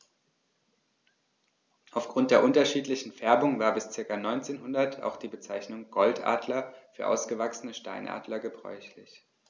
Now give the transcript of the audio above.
Auf Grund der unterschiedlichen Färbung war bis ca. 1900 auch die Bezeichnung Goldadler für ausgewachsene Steinadler gebräuchlich.